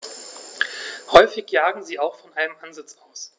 Häufig jagen sie auch von einem Ansitz aus.